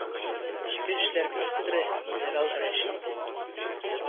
Эчке эшләр министры генерал Рәшит